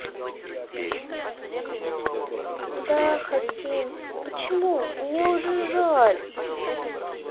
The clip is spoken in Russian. да хотим почему мне уже жаль